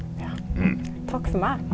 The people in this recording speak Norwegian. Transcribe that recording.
ja takk for meg.